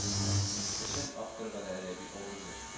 Өчен авторга да әдәби образы